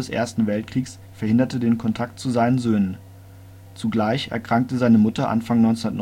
ersten Weltkrieges verhinderte den Kontakt zu seinen Söhnen. Zugleich erkrankte seine Mutter Anfang 1919